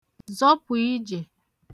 zọpụ ijè